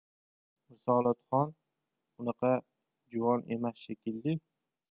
risolatxon unaqa juvon emas shekilli